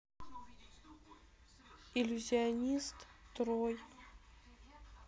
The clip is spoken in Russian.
иллюзионист трой